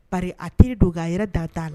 Bari a teri don, nka a yɛrɛ dan t'a la.